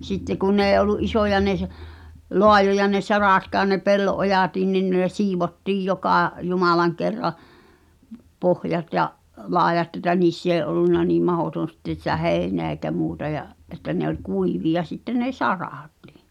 sitten kun ne ei ollut isoja ne - laajoja ne saratkaan ja ne pellon ojatkin niin ne siivottiin joka jumalan kerran pohjat ja laidat että niissä ei ollut niin mahdoton sitten sitä heinää eikä muuta ja että ne oli kuivia sitten ne saratkin